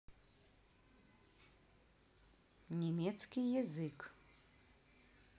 немецкий язык